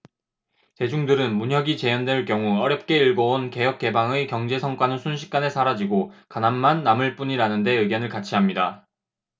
대중들은 문혁이 재연될 경우 어렵게 일궈 온 개혁개방의 경제 성과는 순식간에 사라지고 가난만 남을 뿐이라는데 의견을 같이 합니다